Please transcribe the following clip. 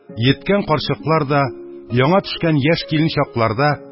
Йиткән карчыклар да, яңа төшкән яшь килен чакларда,